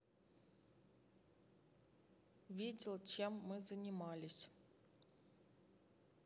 видел чем мы занимались